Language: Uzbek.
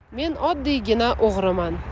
men oddiygina o'g'riman